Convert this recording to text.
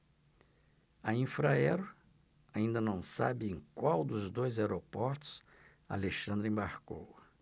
a infraero ainda não sabe em qual dos dois aeroportos alexandre embarcou